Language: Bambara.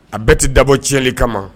A bɛ tɛ dabɔ tili kama